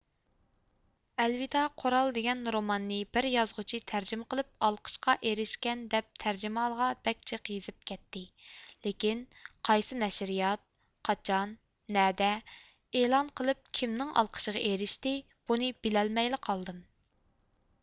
ئەلۋىدا قۇرال دىگەن روماننى بىر يازغۇچى تەرجىمە قىلىپ ئالقىشقا ئېرىشكەن دەپ تەرجىمھالىغا بەك جىق يېزىپ كەتتى لېكىن قايسى نەشىرىيات قاچان نەدە ئېلان قىلىپ كىمنىڭ ئالقىشىغا ئېرىشتى بۇنى بىلەلمەيلا قالدىم